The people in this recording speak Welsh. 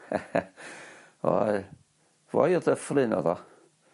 O foi y dyffryn o'dd o.